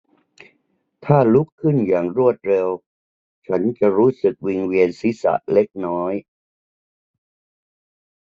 ถ้าลุกขึ้นอย่างรวดเร็วฉันจะรู้สึกวิงเวียนศีรษะเล็กน้อย